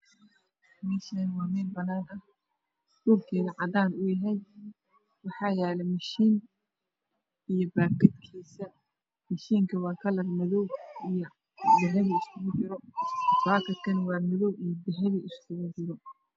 Meeshaani waa meelbanaan ah dhulkeedu cadaan uu yahay waxaa yaalamashin iyo baakadkiisa mashinka waa kalar madow ah iyo dahabi iskugujira baakadkuna waa madow iyo basali iskugujira